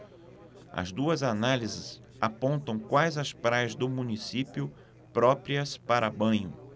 as duas análises apontam quais as praias do município próprias para banho